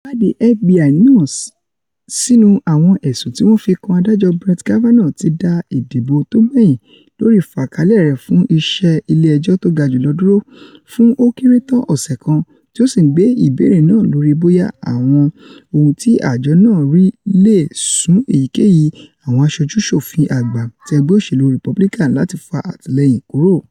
Ìwáàdí FBI náà sínú àwọn ẹ̀sùn tíwọ́n fi kan Adájọ́ Brett Kavanaugh ti dá ìdìbò tógbẹ̀yìn lórí ìfàkalẹ rẹ̀ fún iṣẹ́ Ilé Ẹjọ́ Tógajùlọ duro fún ó kéré tán ọ̀sẹ̀ kan, tí ó sì ńgbé ìbéèrè náà lori boya àwọn ohun ti àjọ náà rí leè sún èyíkéyìí àwọn aṣojú-ṣòfin àgbà ti ẹgbẹ́ òṣèlú Republican láti fa àtìlẹyìn kuro.